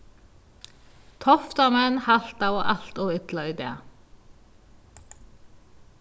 toftamenn haltaðu alt ov illa í dag